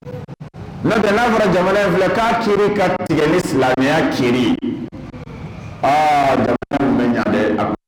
Nata fɔra jamana filɛ k'a teri ka tigɛ ni silamɛya tiɲɛ bɛ ɲa dɛ la